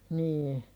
niin